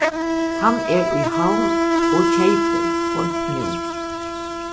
hann er í havn og keypir beint nú